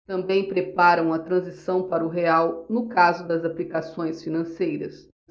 também preparam a transição para o real no caso das aplicações financeiras